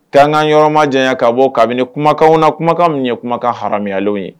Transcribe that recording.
Ka ka yɔrɔma jan ka bɔ kabini kumakanw na kumakan min ye kuma ka hayalen ye